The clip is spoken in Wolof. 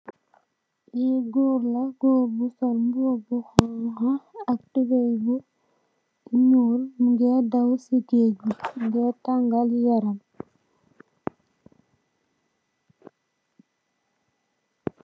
Lee goor la goor bu sol muba bu hauha ak tubaye bu nuul muge daw se gaaj be muge tagal yaram.